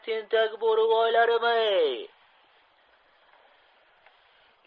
tentak bo'rivoylarim ey